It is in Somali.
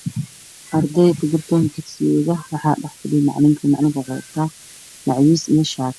Halkaan waa meel dugsi ah oo caruur yar yar oo badan ay joogaan qof ayaa dhex taagan ilmaha oo dhar cad qabo mid kalena wuu fadhiyaa